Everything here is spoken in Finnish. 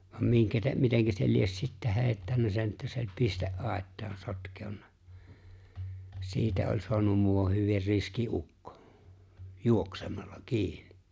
vaan minkä - miten se lie sitten heittänyt sen että se oli - pisteaitaan sotkeutunut siitä oli saanut muuan hyvin riski ukko juoksemalla kiinni